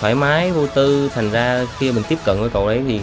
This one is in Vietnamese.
thoải mái vô tư thành ra khi mình tiếp cận với cậu ấy thì